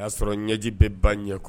O y'a sɔrɔ ɲɛji bɛ ba ɲɛ kɔnɔ